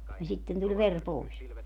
ja sitten tuli veri pois